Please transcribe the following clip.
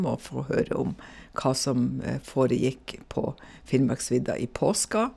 Og få høre om hva som foregikk på Finnmarksvidda i påska.